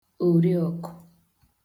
òriọ̀kụ̀